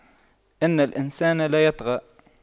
إِنَّ الإِنسَانَ لَيَطغَى